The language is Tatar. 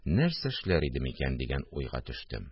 Нәрсә эшләр идем икән дигән уйга төштем